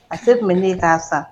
A se tun bɛ ne k'a sa